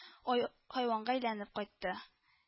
Ай хайванга әйләнеп кайтты